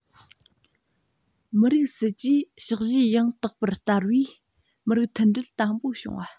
མི རིགས སྲིད ཇུས ཕྱག བཞེས ཡང དག པར བསྟར བས མི རིགས མཐུན སྒྲིལ དམ པོ བྱུང བ